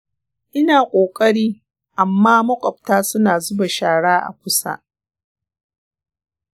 ina ƙoƙari, amma maƙwabta suna zuba shara a kusa.